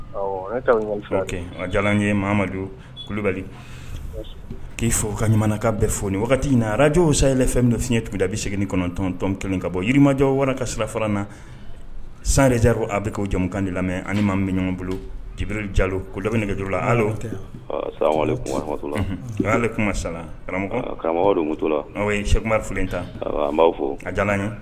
Ye kulubali k' fɔ u ka ɲumanmanakan bɛ fɔ wagati arajw sa yɛlɛ fɛn min fiɲɛɲɛ tun da bɛ segin ni kɔnɔntɔntɔn kelen ka bɔ yirimajɔ wara ka sira fara na sanrearo a bɛ kɛ jamumukan de lamɛn ani ma bɛ ɲɔgɔn bolo kibabri jalo ko nɛgɛj laale sao ye sɛkukumari filen ta b'a fɔ a n ye